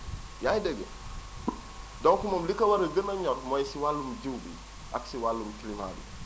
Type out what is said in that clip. yaa ngi dégg donc moom li ko war a gën a ñor mooy si wàllum jiw bi ak si wàllum climat bi